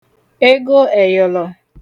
ego ẹyọ̀lọ̀